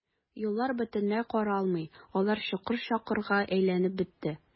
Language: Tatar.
Юллар бөтенләй каралмый, алар чокыр-чакырга әйләнеп бетте.